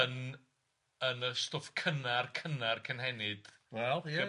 ... yn, yn y stwff cynnar cynnar cynhenid .... wel ie ie